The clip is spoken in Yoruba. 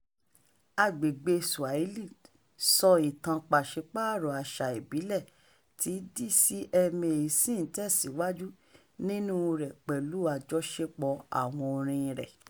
Agbègbèe Swahili sọ ìtàn pàṣípààrọ àṣà ìbílẹ̀ tí DCMA ṣì ń tẹ̀síwájú nínúu rẹ̀ pẹ̀lú àjọṣepọ̀ àwọn orin-in rẹ̀ .